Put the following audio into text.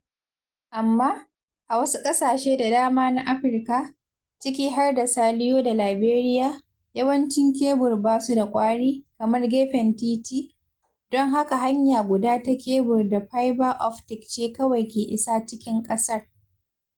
Amma, a wasu ƙasashe da dama na Afirka — ciki har da Saliyo da Laberiya — yawancin kebul ba su da ƙwari (kamar gefen titi), don haka hanya guda ta kebul ɗin fiber optic ce kawai ke isa cikin ƙasar.